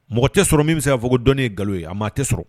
Mɔgɔ tɛ sɔrɔ min se fdɔn ye nkalon ye a maa tɛ sɔrɔ